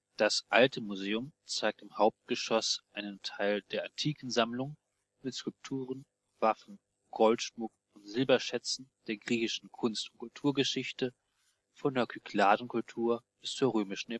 Das Alte Museum zeigt im Hauptgeschoss einen Teil der Antikensammlung mit Skulpturen, Waffen, Goldschmuck und Silberschätzen der griechischen Kunst - und Kulturgeschichte von der Kykladenkultur bis zur römischen Epoche